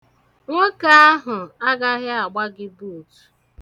Nwoke ahụ agaghị agba gị buutu.